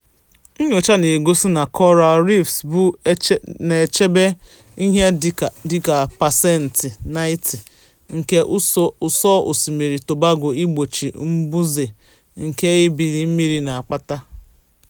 Nnyocha na-egosi na Koraalụ Reefs na-echebe ihe dị ka pasenti 90 nke ụsọ osimiri Tobago igbochi mbuze nke ebili mmiri na-akpata.